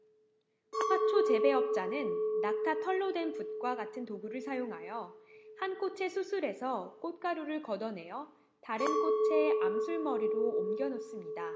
화초 재배업자는 낙타털로 된 붓과 같은 도구를 사용하여 한 꽃의 수술에서 꽃가루를 걷어 내어 다른 꽃의 암술머리로 옮겨 놓습니다